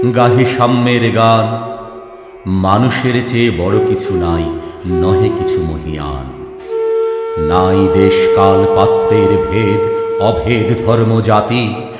গাহি সাম্যের গান মানুষের চেয়ে বড় কিছু নাই নহে কিছু মহীয়ান নাই দেশ কাল পাত্রের ভেদ অভেদ ধর্মজাতি